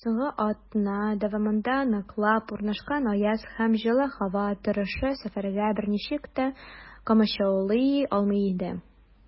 Соңгы атна дәвамында ныклап урнашкан аяз һәм җылы һава торышы сәфәргә берничек тә комачаулый алмый иде.